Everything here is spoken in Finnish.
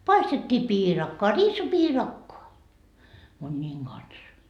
paistettiin piirakkaa riisipiirakkaa munien kanssa